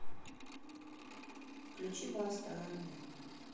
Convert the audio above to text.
включи баста армия